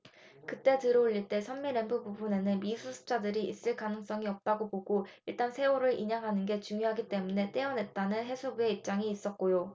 그때 들어올릴 때 선미 램프 부분에는 미수습자들이 있을 가능성이 없다고 보고 일단 세월호를 인양하는 게 중요하기 때문에 떼어냈다는 해수부의 입장이 있었고요